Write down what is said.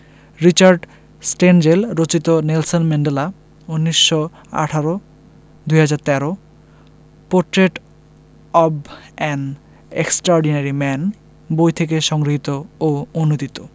Richard Stengel রচিত Nelson Mandela ১৯১৮ ২০১৩ portrait of an extraordinary man বই থেকে সংগৃহীত ও অনূদিত